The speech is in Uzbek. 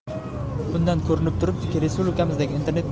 bundan ko'rinib turibdiki respublikamizdagi internet